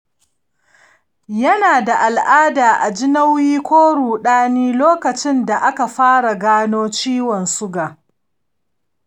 yana da al’ada a ji nauyi ko ruɗani lokacin da aka fara gano ciwon suga.